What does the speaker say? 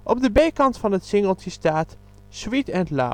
de B-kant van het singletje staat: Sweet and low